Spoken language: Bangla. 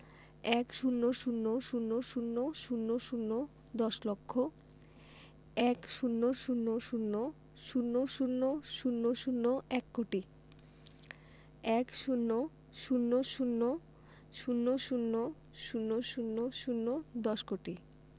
১০০০০০০ দশ লক্ষ ১০০০০০০০ এক কোটি ১০০০০০০০০ দশ কোটি